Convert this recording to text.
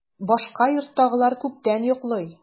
Башка йорттагылар күптән йоклый.